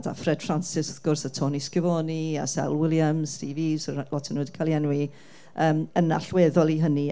A Fred Francis, wrth gwrs, a Tony Schifoni, a Sel Williams, Steve Eaves, o ra- lot o' nhw 'di cael eu enwi, yym yn allweddol i hynny,